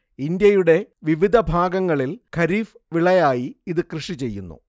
ഇന്ത്യയുടെ വിവിധ ഭാഗങ്ങളിൽ ഖരീഫ് വിളയായി ഇത് കൃഷിചെയ്യുന്നു